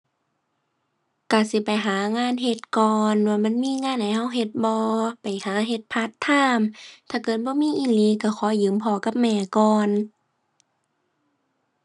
ก็สิไปหางานเฮ็ดก่อนว่ามันมีงานให้ก็เฮ็ดบ่ ไปหาเฮ็ดพาร์ตไทม์ ถ้าเกิดบ่มีอีหลีก็ขอยืมพ่อกับแม่ก่อน